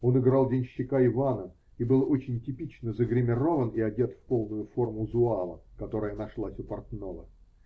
Он играл денщика Ивана и был очень типично загримирован и одет в полную форму зуава, которая нашлась у портного.